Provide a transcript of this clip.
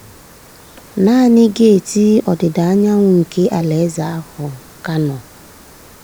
Naanị geeti ọdịda anyanwụ nke ala eze ahụ ka nọ.